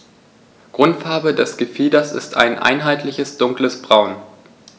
Grundfarbe des Gefieders ist ein einheitliches dunkles Braun.